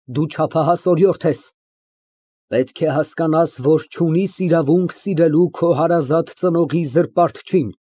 Դու չափահաս օրիորդ ես, պետք է հասկանաս, որ չունիս իրավունք սիրելու քո հարազատ ծնողի զրպարտչին։